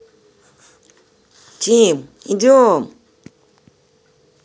team идем